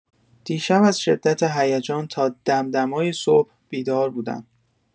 دیشب از شدت هیجان تا دم دمای صبح بیدار بودم.